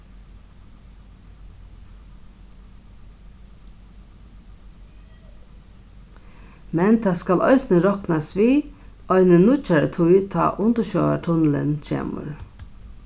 men tað skal eisini roknast við eini nýggjari tíð tá undirsjóvartunnilin kemur